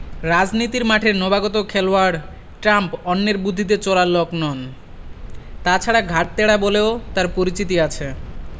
রাজনীতির মাঠের নবাগত খেলোয়াড় ট্রাম্প অন্যের বুদ্ধিতে চলার লোক নন তা ছাড়া ঘাড় ত্যাড়া বলেও তাঁর পরিচিতি আছে